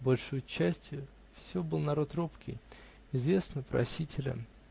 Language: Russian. Большею частию все был народ робкий: известно - просители.